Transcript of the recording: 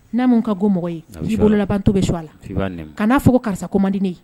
N'amu ka ko mɔgɔ ye ji labanbanto bɛ su a la ka n'a fɔ karisa ko manden